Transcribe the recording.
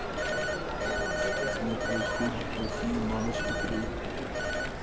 смотреть фильм плохие мамочки три